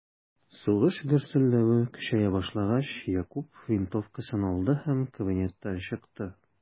Сугыш гөрселдәве көчәя башлагач, Якуб винтовкасын алды һәм кабинеттан чыкты.